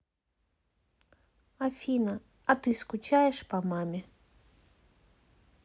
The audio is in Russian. афина а ты скучаешь по маме